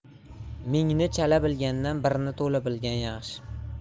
mingni chala bilgandan birni to'la bilgan yaxshi